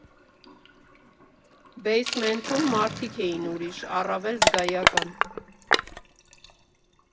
Բեյսմենթում մարդիկ էին ուրիշ, առավել զգայական։